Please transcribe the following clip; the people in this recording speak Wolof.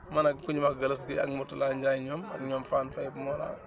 man ak ki ñuy wax Gallas Guèye ak Moutalla Ndiaye ñoom ñoom Fane Faye Mawla